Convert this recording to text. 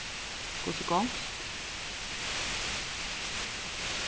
hvussu gongst